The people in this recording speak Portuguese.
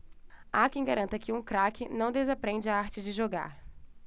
há quem garanta que um craque não desaprende a arte de jogar